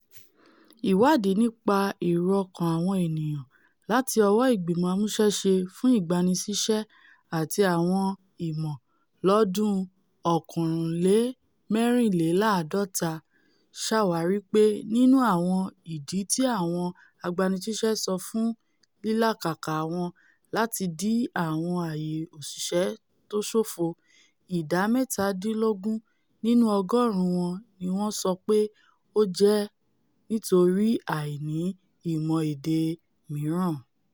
Ìwáàdí nípa èrò-ọkàn àwọn ènìyàn láti ọwọ Ìgbìmọ̀ Amúṣẹ́ṣe fún Ìgbaniṣíṣẹ́ àti Àwọn Ìmọ̀ lọ́dún 2014 ṣàwárí pé nínú àwọn ìdí tí àwọn agbaniṣ̵íṣẹ́ sọ fún lílàkàkà wọn láti di àwọn ààyè òṣìṣẹ́ tó ṣófo, ìdá mẹ́tàdínlógún nínú ọgọ́ọ̀rún wọn ni wọ́n sọ pé ó jẹ́ nítorí àìni ìmọ̀ ède mìíràǹ.